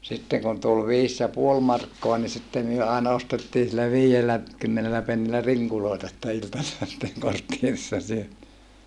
sitten kun tuli viisi ja puoli markkaa niin sitten me aina ostettiin sillä viidellä kymmenellä pennillä rinkuloita sitten iltasella sitten kortteerissa syötiin